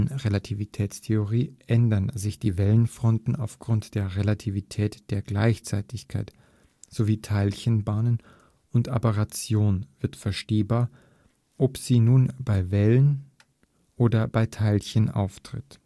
Relativitätstheorie ändern sich die Wellenfronten aufgrund der Relativität der Gleichzeitigkeit so wie Teilchenbahnen, und Aberration wird verstehbar, ob sie nun bei Wellen oder bei Teilchen auftritt